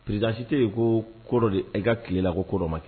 Prizdasite yen ko kɔrɔ de i ka tilela ko koro ma